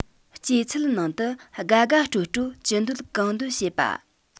སྐྱེད ཚལ ནང དུ དགའ དགའ སྤྲོ སྤྲོ ཅི འདོད གང འདོད བྱེད པ